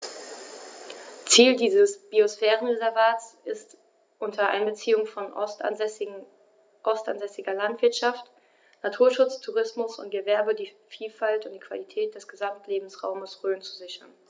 Ziel dieses Biosphärenreservates ist, unter Einbeziehung von ortsansässiger Landwirtschaft, Naturschutz, Tourismus und Gewerbe die Vielfalt und die Qualität des Gesamtlebensraumes Rhön zu sichern.